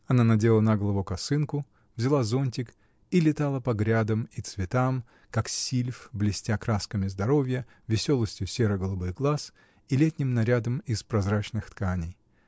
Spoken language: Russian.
Она надела на голову косынку, взяла зонтик и летала по грядкам и цветам, как сильф, блестя красками здоровья, веселостью серо-голубых глаз и летним нарядом из прозрачных тканей.